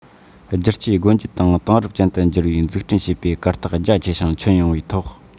བསྒྱུར བཅོས སྒོ འབྱེད དང དེང རབས ཅན དུ འགྱུར བའི འཛུགས སྐྲུན བྱེད པའི གར སྟེགས རྒྱ ཆེ ཞིང ཁྱོན ཡངས པའི ཐོག